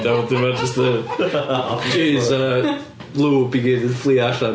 a wedyn ma' jyst y... Jesus... y lube i gyd yn fflio allan.